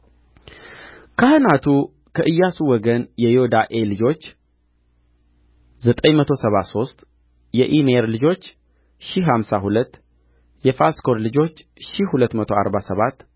ካህናቱ ከኢያሱ ወገን የዮዳኤ ልጆች ዘጠኝ መቶ ሰባ ሦስት ኢሜር ልጆች ሺህ አምሳ ሁለት የፋስኮር ልጆች ሺህ ሁለት መቶ አርባ ሰባት